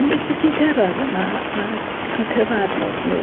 unwaith 'dych chi'n cyrraedd yna ag a cyfarfod nw.